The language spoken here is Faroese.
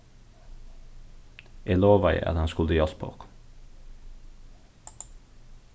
eg lovaði at hann skuldi hjálpa okkum